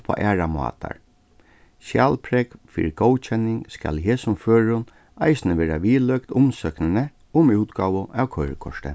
upp á aðrar mátar skjalprógv fyri góðkenning skal í hesum førum eisini verða viðløgd umsóknini um útgávu av koyrikorti